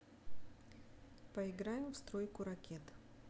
поиграем в стройку ракет